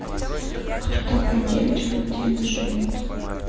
а кто такая девочка и где она живет